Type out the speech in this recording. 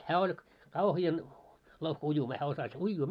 hän oli kauhean louhka uimaan hän osasi uida